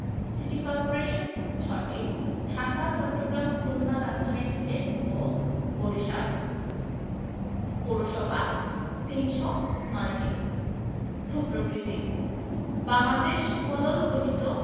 city corporation ৬টি ঢাকা চট্টগ্রাম খুলনা রাজশাহী সিলেট ও বরিশাল পৌরসভা ৩০৯টি ভূ প্রকৃতিঃ বাংলদেশ পলল গঠিত